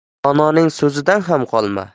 dononing so'zidan ham